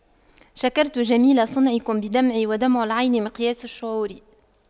شكرت جميل صنعكم بدمعي ودمع العين مقياس الشعور